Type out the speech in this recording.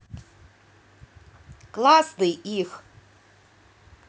классный их